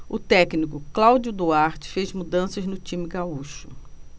o técnico cláudio duarte fez mudanças no time gaúcho